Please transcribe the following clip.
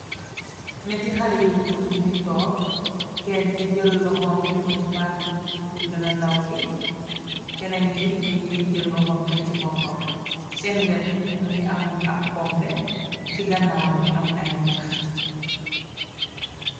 Nyetti halle you gorr nougui tok kene ki mougui jeil loho haw wi tekko ci kaw bard kou genna ndow ki cen wet mougui am amb pompeh ci gannaw mougui am aye nyack